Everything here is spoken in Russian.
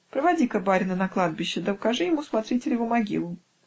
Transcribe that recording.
Проводи-ка барина на кладбище да укажи ему смотрителеву могилу".